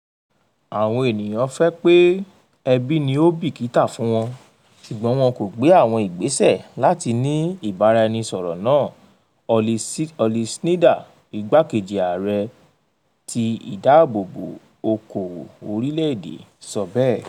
"Àwọn ènìyàn fẹ́ pé ẹbí ni ò bìkítà fún wọn, ṣùgbọ́n wọn kò gbé àwọn ìgbésẹ̀ láti ní ìbáraẹnisọ̀rọ̀ náà," Holly Snyder, igbákejì ààrẹ tí ìdábòbò okowo orilẹ̀-èdè, sọ bẹ́ẹ̀.